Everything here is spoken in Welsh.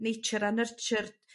nature a nurture